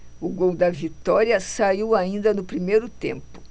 o gol da vitória saiu ainda no primeiro tempo